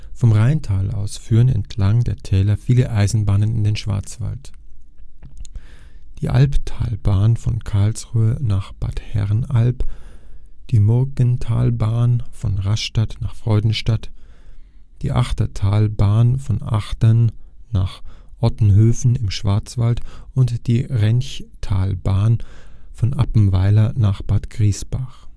Vom Rheintal aus führen entlang der Täler viele Eisenbahnen in den Schwarzwald. Die Albtalbahn von Karlsruhe nach Bad Herrenalb, die Murgtalbahn von Rastatt nach Freudenstadt, die Achertalbahn von Achern nach Ottenhöfen im Schwarzwald und die Renchtalbahn von Appenweier nach Bad Griesbach